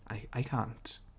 I- I can't.